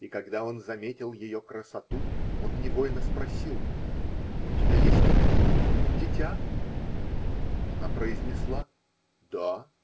и когда он заметил ее красоту, он невольно спросил: -- У тебя есть милый, дитя? Она произнесла: -- Да!